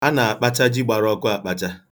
A na-akpacha ji gbara ọkụ akpacha.